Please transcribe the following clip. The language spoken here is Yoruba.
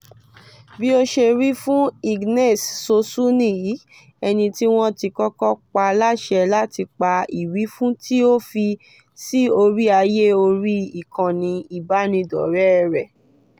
Bí ó ṣe rí fún Ignace Sossou nìyìí, ẹni tí wọ́n ti kọ́kọ́ pa láṣẹ láti pa ìwífún tí ó fi sí orí àyè orí ìkànnì ìbánidọ́rẹ̀ẹ́ rẹ̀ rẹ́.